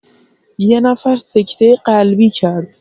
یه نفر سکته قلبی کرد